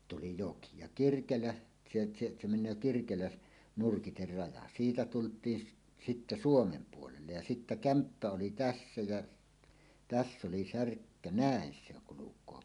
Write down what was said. tuli joki ja Kirkelä se se se menee Kirkelän nurkkien raja siitä tultiin - sitten Suomen puolelle ja sitten kämppä oli tässä ja tässä oli särkkä näin se on kulkee